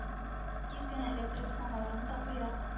Тиз генә эләктереп самавырын да куя